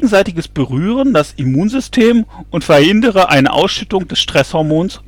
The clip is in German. Date. Drittens stärke gegenseitiges Berühren das Immunsystem und verhindere eine Ausschüttung des Stresshormons